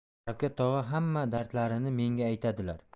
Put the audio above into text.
shavkat tog'a hamma dardlarini menga aytadilar